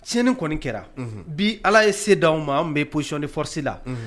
Tiɲɛɲɛni kɔni kɛra bi ala ye se d aw ma bɛ psicɔnni fsi la